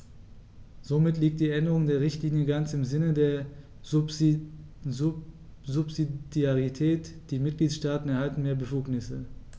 Somit liegt die Änderung der Richtlinie ganz im Sinne der Subsidiarität; die Mitgliedstaaten erhalten mehr Befugnisse.